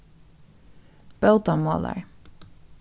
bótarmolar